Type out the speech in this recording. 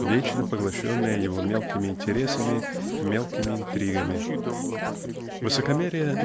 вечно поглощенные его мелкими интересами мелкими интригами. Высокомерие